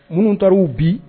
Minnu tawu bi